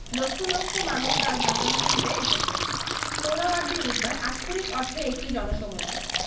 লক্ষ লক্ষ মানুষ তাঁর ভাষণ শুনতে এসেছে সোহরাওয়ার্দী উদ্যান আক্ষরিক অর্থে একটি জনসমুদ্র